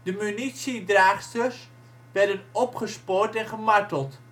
munitiedraagsters werden opgespoord en gemarteld